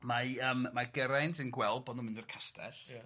mae yym mae Geraint yn gweld bod nhw'n mynd i'r castell... Ia...